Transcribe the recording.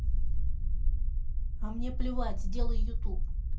а мне плевать сделай youtube